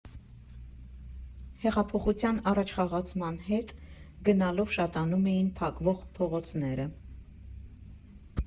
Հեղափոխության առաջխաղացման հետ գնալով շատանում էին փակվող փողոցները։